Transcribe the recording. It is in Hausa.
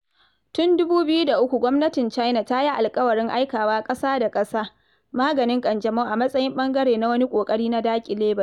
Tun 2003, gwamnatin China ta yi alƙawarin aikawa ƙasa-da-ƙasa maganin ƙanjamau a matsayin ɓangare na wani ƙoƙari na daƙile batun.